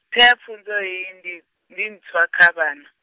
theapfunzo hei ndi, ndi ntswa kha vhana.